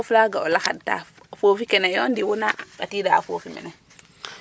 foof laga o laxad ta foofi kene yo ndi wo ina atida foifi mene ?